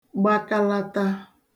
gbakalata